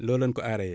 loolu la nu ko aaree